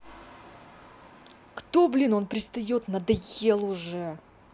кто блин он пристает надоел уже